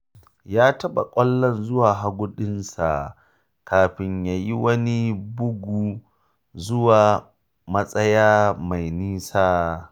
Ya taɓa ƙwallon zuwa hagun ɗinsa kafin ya yi wani bugu zuwa matsaya mai nisa.